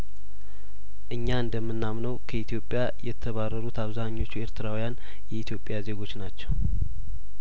እኛ እንደምናምነው ከኢትዮጵያ የተባረሩት አብዛኞቹ ኤርትራውያን የኢትዮጵያ ዜጐች ናቸው